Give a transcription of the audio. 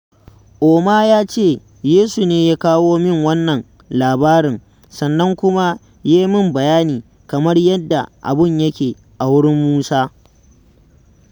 Ouma ya ce, Yesu ne ya kawo min wannan labarin sannan kuma ya yi min bayani kamar yadda abun yake a wurin Musa.